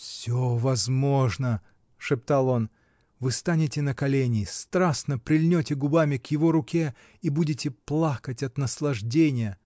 — Всё возможно, — шептал он, — вы станете на колени, страстно прильнете губами к его руке и будете плакать от наслаждения.